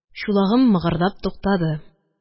Чулагым мыгырдап туктады.